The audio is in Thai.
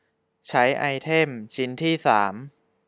ใช้ไอเทมชิ้นที่สาม